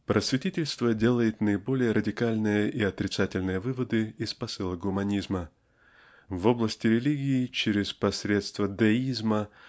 Просветительство делает наиболее радикальные отрицательные выводы из посылок гуманизма в области религии через посредство деизма